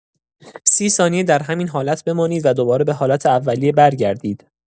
۳۰ ثانیه در همین حالت بمانید و دوباره به حالت اولیه برگردید.